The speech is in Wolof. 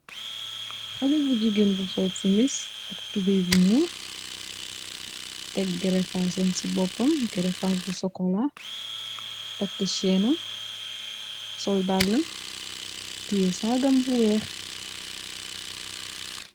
Xale bu jigéen bu sol cimis ak tubey bunul. Teg gerefaas sam ci boppam gerefaas bu socola. Takk cheenam. Sol dallam. Tyie saagam bu weex